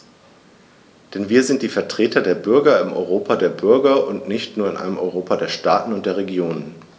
Denn wir sind die Vertreter der Bürger im Europa der Bürger und nicht nur in einem Europa der Staaten und der Regionen.